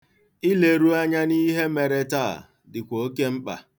Ileru anya n'ihe mere taa dịkwa oke mkpa.